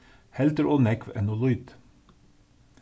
heldur ov nógv enn ov lítið